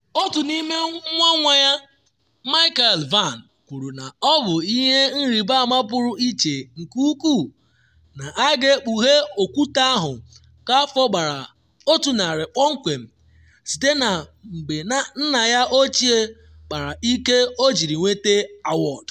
Otu n’ime nwa nwa ya Michael Vann, kwuru na ọ bụ “ihe nrịbama pụrụ iche nke ukwuu” na a ga-ekpughe okwute ahụ ka afọ gbara 100 kpọmkwem site na mgbe nna ya ochie kpara ike o jiri nweta awọdụ.